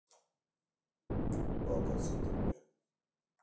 рыбалка в сентябре